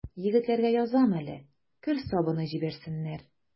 Егетләргә язам әле: кер сабыны җибәрсеннәр.